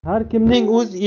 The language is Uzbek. har kimning o'z